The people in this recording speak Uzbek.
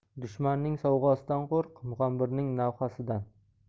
dushmanning sovg'asidan qo'rq mug'ambirning navhasidan